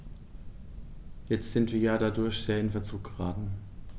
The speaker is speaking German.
Jetzt sind wir dadurch sehr in Verzug geraten.